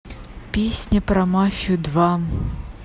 песня про мафию два